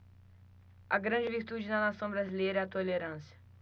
a grande virtude da nação brasileira é a tolerância